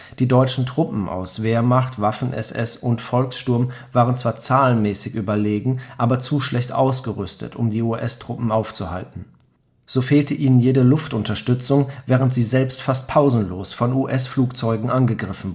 Die deutschen Truppen aus Wehrmacht, Waffen-SS und Volkssturm waren zwar zahlenmäßig überlegen, aber zu schlecht ausgerüstet, um die US-Truppen aufzuhalten. So fehlte ihnen jede Luftunterstützung, während sie selbst fast pausenlos von US-Flugzeugen angegriffen